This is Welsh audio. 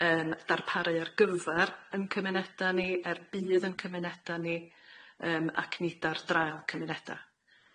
Yn darparu ar gyfar yn cymuneda ni er budd yn cymuneda ni yym ac nid ar dra cymuneda.